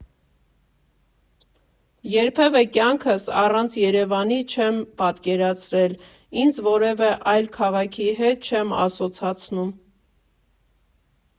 Երբևէ կյանքս առանց Երևանի չեմ պատկերացրել, ինձ որևէ այլ քաղաքի հետ չեմ ասոցացնում։